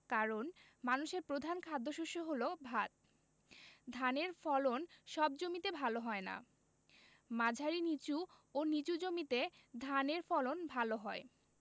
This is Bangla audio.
কারন মানুষের প্রধান খাদ্যশস্য হলো ভাত ধানের ফলন সব জমিতে ভালো হয় না মাঝারি নিচু ও নিচু জমিতে ধানের ফলন ভালো হয়